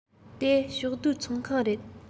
དེ ཕྱོགས བསྡུས ཚོགས ཁང རེད